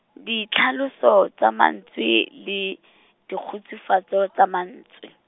ditlhaloso tsa mantswe, le dikgutsufatso tsa mantswe.